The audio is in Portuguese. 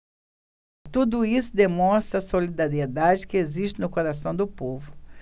tudo isso demonstra a solidariedade que existe no coração do povo